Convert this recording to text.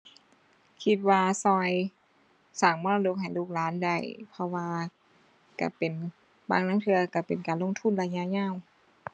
คิดว่าช่วยสร้างมรดกให้ลูกหลานได้ เพราะว่าช่วยเป็น บางลางเทื่อช่วยเป็นการลงทุนระยะยาว